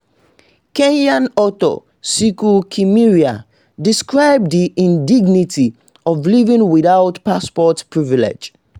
Kenyan author Ciku Kimeria describes the indignity of living without "passport privilege".